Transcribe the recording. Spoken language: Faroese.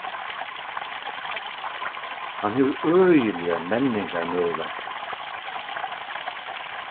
hann hevur øgiligar menningarmøguleikar